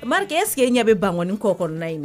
Marque est ce que e ɲɛ bi bangɔni kɔ kɔnɔna in na?